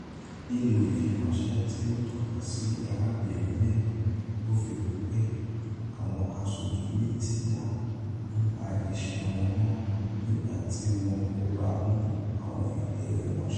Nínú ìfiránṣẹ́ ti o tọ́ka si Arabinrin May, ó fi kun pé: 'Àwọn aṣoju Mínísítà ń pa iṣẹ́ wọn mọ nígbà tí wọ́n kò bá mú àwọn ìlérí wọn ṣẹ.'